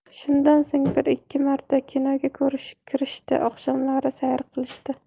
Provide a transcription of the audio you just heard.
shundan so'ng bir ikki marta kinoga kirishdi oqshomlari sayr qilishdi